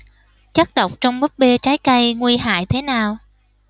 chất độc trong búp bê trái cây nguy hại thế nào